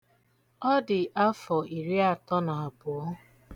Ọ dị afọ iriatọ na abụọ.